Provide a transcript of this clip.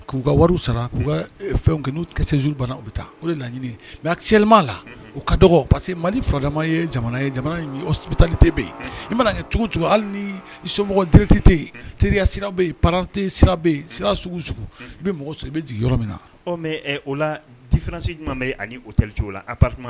K'u ka wari sara k'u ka fɛn'uuru u bɛ taa laɲini mɛ cɛ la u ka dɔgɔ parce que malima ye yebitali tɛ bɛ yen i mana cogo cogo hali ni somɔgɔ teritete yen teriya sira bɛ yen parate sira yen sira s bɛ mɔgɔ sɔrɔ i bɛ sigi yɔrɔ min na o la di fanasi ɲuman bɛ o tɛ cogo la